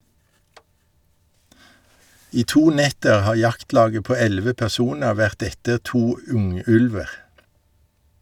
I to netter har jaktlaget på 11 personer vært etter to ungulver.